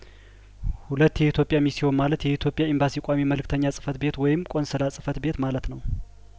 ሁለት የኢትዮጵያ ሚስዮን ማለት የኢትዮጵያ ኤምባሲ ቋሚ መልእክተኛ ጽፈት ቤት ወይም ቆንስላ ጽፈት ቤት ማለት ነው